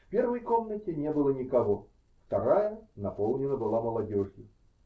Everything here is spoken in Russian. В первой комнате не было никого; вторая наполнена была молодежью.